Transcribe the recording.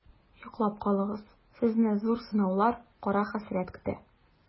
Йоклап калыгыз, сезне зур сынаулар, кара хәсрәт көтә.